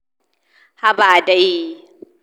haba dai.’’